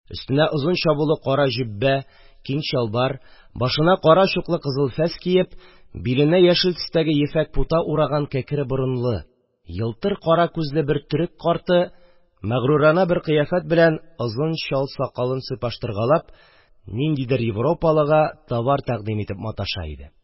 Өстенә озын чабулы кара җөббә, киң чалбар, башына кара чуклы кызыл фәс киеп, биленә яшел ефәк пута ураган кәкре борынлы, елтыр кара күзле бер төрек карты, магрур бер кыяфәт белән озын чал сакалын сыйпаштыргалап, ниндидер европалыга товар тәкъдим итеп маташа иде.